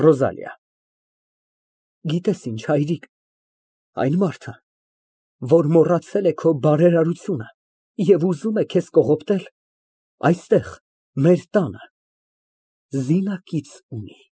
ՌՈԶԱԼԻԱ ֊ Գիտես ինչ, հայրիկ, այն մարդը, որ մոռացել է քո բարերարությունը և ուզում է քեզ կողոպտել, այստեղ մեր տանը զինակից ունի։